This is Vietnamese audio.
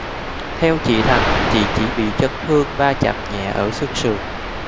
theo chị thành chị chỉ bị chấn thương va chạm nhẹ ở xương sườn